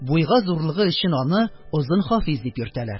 Буйга зурлыгы өчен аны Озын Хафиз дип йөртәләр.